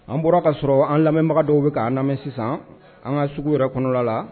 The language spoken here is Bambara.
An bɔra k ka sɔrɔ an lamɛnbaga dɔw bɛ'an lamɛnmɛ sisan an ka sugu yɛrɛ kɔnɔla la